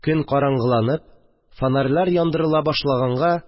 Көн караңгыланып, фонарьлар яндырыла башлаганга